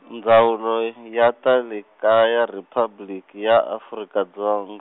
Ndzawulo y-, ya te le kaya Riphabliki ya Afrika Dzong-.